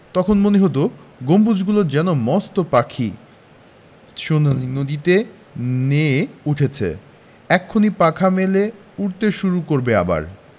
তখন মনে হতো গম্বুজগুলো যেন মস্ত পাখি সোনালি নদীতে নেয়ে উঠেছে এক্ষুনি পাখা মেলে উড়তে শুরু করবে আবার